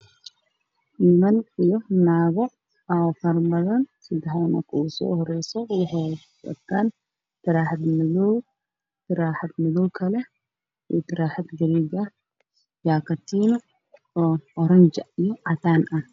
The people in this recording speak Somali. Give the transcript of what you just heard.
Waa Niman iyo naago